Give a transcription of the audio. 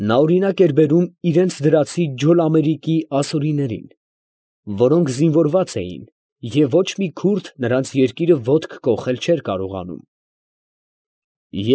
Նա օրինակ էր բերում իրանց դրացի Ջոլամերիկի ասորիներին, որոնք զինվորված էին և ոչ մի քուրդ նրանց երկիրը ոտք կոխել չէր կարողանում, և։